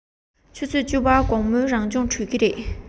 ཆུ ཚོད བཅུ པར དགོང མོའི རང སྦྱོང གྲོལ གྱི རེད